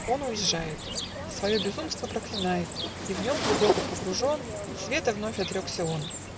Он уезжает, Свое безумство проклинает - И, в нем глубоко погружен, От света вновь отрекся он.